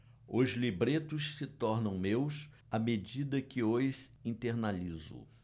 os libretos se tornam meus à medida que os internalizo